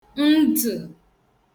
ndtụ̀